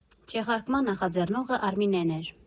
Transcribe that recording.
Չեղարկման նախաձեռնողը Արմինեն էր։